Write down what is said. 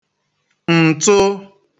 ǹtụ